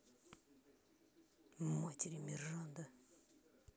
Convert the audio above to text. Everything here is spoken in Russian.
матери миранда